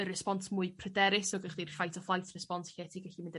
y response mwy pryderus so dach chi'r fight or flight response lle ti gallu mynd yn